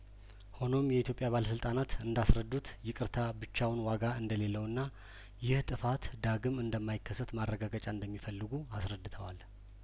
ሆኖም የኢትዮጵያ ባለስልጣናት እንዳስረዱት ይቅርታ ብቻውን ዋጋ እንደሌለውና ይህ ጥፋት ዳግም እንደማይከሰት ማረጋገጫ እንደሚፈልጉ አስረድተዋል